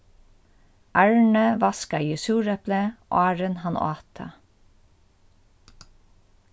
arni vaskaði súreplið áðrenn hann át tað